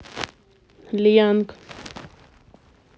льянг